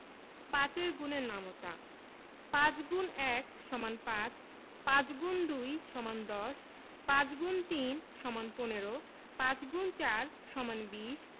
৫ এর গুণের নামতা ৫× ১ = ৫ ৫× ২ = ১০ ৫× ৩ = ১৫ ৫× ৪ = ২০